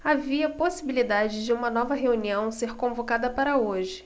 havia possibilidade de uma nova reunião ser convocada para hoje